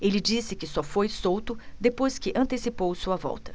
ele disse que só foi solto depois que antecipou sua volta